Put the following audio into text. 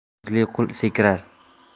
sevikli qul sekirar